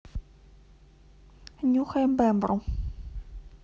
нюхай бэбру